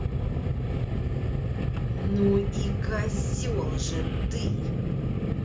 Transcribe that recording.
ну и козел же ты